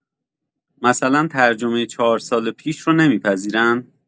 مثلا ترجمه چهارسال پیش رو نمی‌پذیرن؟